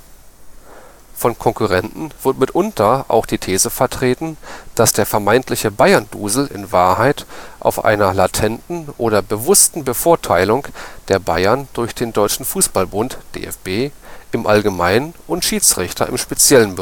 Konkurrenten wird mitunter auch die These vertreten, dass der vermeintliche Bayern-Dusel in Wahrheit auf einer latenten oder bewussten Bevorteilung der Bayern durch den Deutschen Fußball-Bund (DFB) im Allgemeinen und Schiedsrichter im Speziellen